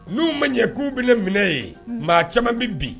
N'u ma ɲɛ k'u bɛ ne minɛ ye maa caman bɛ bi